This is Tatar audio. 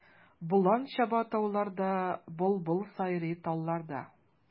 Болан чаба тауларда, былбыл сайрый талларда.